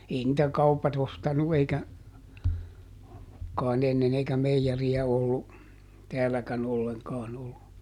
ei niitä kaupat ostanut eikä kai ennen eikä meijeriä ollut täälläkään ollenkaan ollut